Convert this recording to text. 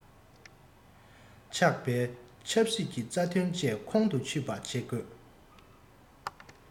ཆགས པའི ཆབ སྲིད ཀྱི རྩ དོན བཅས ཀྱང ཁོང དུ ཆུད པ བྱེད དགོས